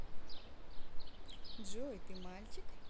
джой ты мальчик